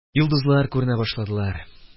Йолдызлар күренә башладылар.